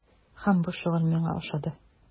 Һәм бу шөгыль миңа ошады.